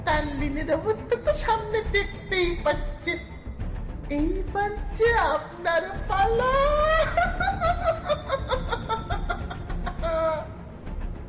তানলিনের অবস্থা তো সামনে দেখতেই পাচ্ছেন এবার আপনার পালা